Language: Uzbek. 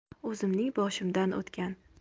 o'zimning boshimdan o'tgan